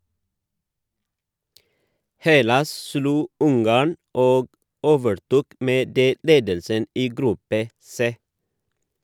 Hellas slo Ungarn, og overtok med det ledelsen i gruppe C.